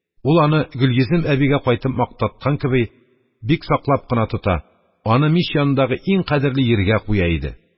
Ул аны Гөлйөзем әбигә кайтып мактаткан кеби, бик саклап кына тота, аны мич янындагы иң кадерле йиргә куя иде.